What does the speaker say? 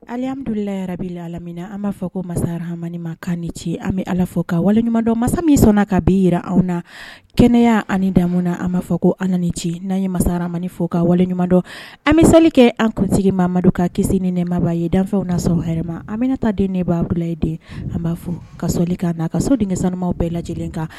Alihamidulilarabi la alamina an b'a fɔ ko masa hamani kan ni ci an bɛ ala fɔ ka waleɲuman masa min sɔnna ka bin jira an na kɛnɛya' ani damuuna an b'a fɔ ko an ni ci n'an ye masamani fɔ ka waleɲumandɔn an bɛsali kɛ an kunsigi mamadu ka kisi ni nɛmaba ye danw na sɔrɔ wɛrɛma anmina taa den de b'dula ye den an b'a fɔ ka soli k ka na a ka soden sanuw bɛɛ lajɛ lajɛlen kan